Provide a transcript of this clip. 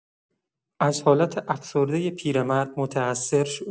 از حالت افسرده پیرمرد متاثر شد.